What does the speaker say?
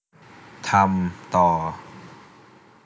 ทำต่อ